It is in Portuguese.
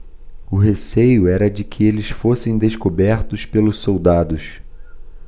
o receio era de que eles fossem descobertos pelos soldados